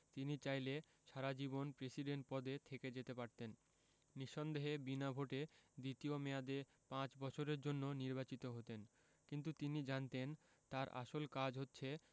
তিনি চাইলে সারা জীবন প্রেসিডেন্ট পদে থেকে যেতে পারতেন নিঃসন্দেহে বিনা ভোটে দ্বিতীয় মেয়াদে পাঁচ বছরের জন্য নির্বাচিত হতেন কিন্তু তিনি জানতেন তাঁর আসল কাজ হচ্ছে